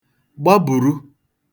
gbabùru